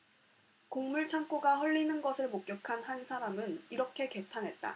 곡물 창고가 헐리는 것을 목격한 한 사람은 이렇게 개탄했다